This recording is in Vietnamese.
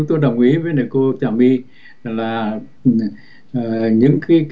tôi đồng ý với lại cô trà my là những cái